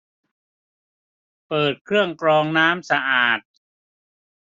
เปิดเครื่องกรองน้ำสะอาด